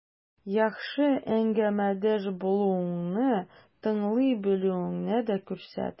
Яхшы әңгәмәдәш булуыңны, тыңлый белүеңне дә күрсәт.